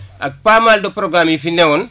ak pas mal de programmes yu fi newoon